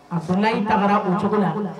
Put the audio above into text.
A sɔrɔla i tagarara cogo la